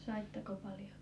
saitteko paljon